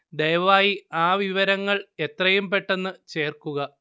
ദയവായി ആ വിവരങ്ങള്‍ എത്രയും പെട്ടെന്ന് ചേര്‍ക്കുക